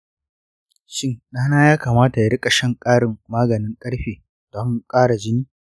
shin ɗana ya kamata ya riƙa shan ƙarin maganin ƙarfe don ƙara jini?